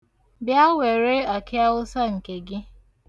Bịa, were akịawụsa nke gị.